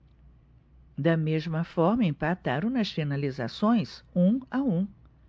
da mesma forma empataram nas finalizações um a um